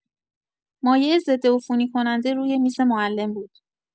مایع ضدعفونی‌کننده روی میز معلم بود.